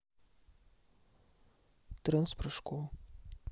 тренд с прыжком